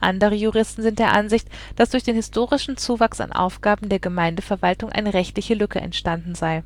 Andere Juristen sind der Ansicht, dass durch den historischen Zuwachs an Aufgaben der Gemeindeverwaltung eine rechtliche Lücke entstanden sei